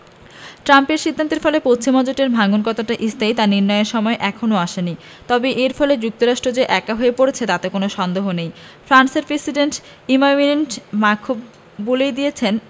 ট্রাম্পের সিদ্ধান্তের ফলে পশ্চিমা জোটের ভাঙন কতটা স্থায়ী তা নির্ণয়ের সময় এখনো আসেনি তবে এর ফলে যুক্তরাষ্ট্র যে একা হয়ে পড়ছে তাতে কোনো সন্দেহ নেই ফ্রান্সের প্রেসিডেন্ট ইমানুয়েল মাখোঁ বলেই দিয়েছেন